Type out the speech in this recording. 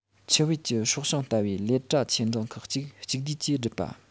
ཆུ བེད ཀྱི སྲོག ཤིང ལྟ བུའི ལས གྲྭ ཆེ འབྲིང ཁག ཅིག གཅིག བསྡུས ཀྱིས སྒྲུབ པ